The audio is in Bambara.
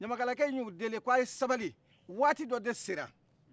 ɲamakalakɛ ɲ' u deli k'a ye sabali wati dɔ de sera